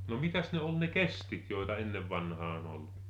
no mitäs ne oli ne kestit joita ennen vanhaan oli